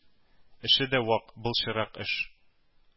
Эше дә вак, былчырак эш,